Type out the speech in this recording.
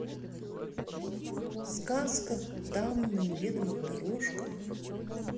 сказка там на неведомых дорожках